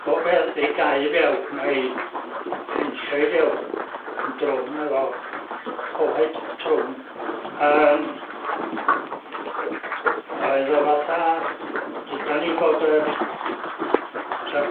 pob peth 'di gau i fewn a'i ffensio i fewn yn drwm efo coed trwm yym oedd o fatha duda ni bod yr 'sa'r